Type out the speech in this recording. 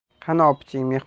qani opiching mehmon